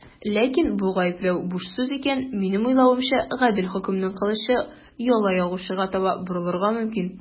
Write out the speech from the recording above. Ләкин бу гаепләү буш сүз икән, минем уйлавымча, гадел хөкемнең кылычы яла ягучыга таба борылырга мөмкин.